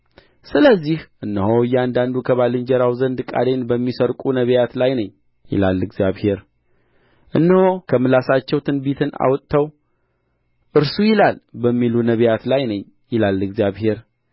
ስለዚህ እነሆ እያንዳንዱ ከባልንጀራው ዘንድ ቃሌን በሚሰርቁ ነቢያት ላይ ነኝ ይላል እግዚአብሔር እነሆ ከምላሳቸው ትንቢትን አውጥተው እርሱ ይላል በሚሉ ነቢያት ላይ ነኝ ይላል እግዚአብሔር